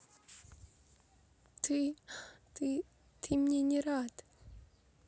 ты ты ты мне не рад